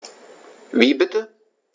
Wie bitte?